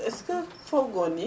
est ce que foogoo ni